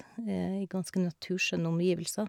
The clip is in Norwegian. I ganske naturskjønne omgivelser.